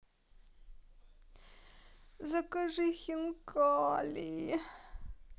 закажи хинкали